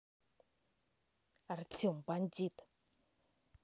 артем бандит